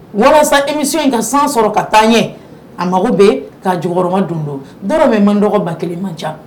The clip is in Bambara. Walasa imisu in ka san sɔrɔ ka taa n ɲɛ a mago bɛ ka cɛkɔrɔba dun don dɔw bɛ man dɔgɔba kelen man ca